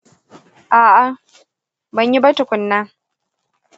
a'a. banyi ba tukunna.